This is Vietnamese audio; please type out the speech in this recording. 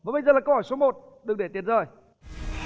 và bây giờ là câu hỏi số một đừng để tiền rơi